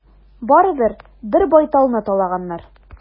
Барыбер, бер байталны талаганнар.